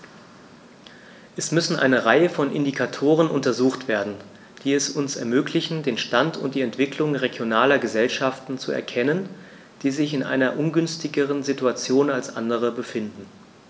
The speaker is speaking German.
Es müssen eine Reihe von Indikatoren untersucht werden, die es uns ermöglichen, den Stand und die Entwicklung regionaler Gesellschaften zu erkennen, die sich in einer ungünstigeren Situation als andere befinden.